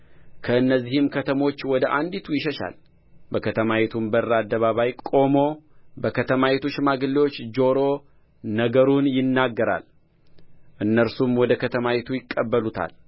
ከእነዚህም ከተሞች ወደ አንዲቱ ይሸሻል በከተማይቱም በር አደባባይ ቆሞ በከተማይቱ ሽማግሌዎች ጆሮ ነገሩን ይናገራል እነርሱም ወደ ከተማይቱ ይቀበሉታል